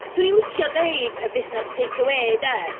'Swn i'n licio deud y busnes tecawê de.